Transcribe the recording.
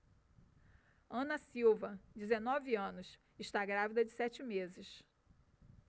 ana silva dezenove anos está grávida de sete meses